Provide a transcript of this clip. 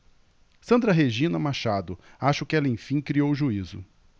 sandra regina machado acho que ela enfim criou juízo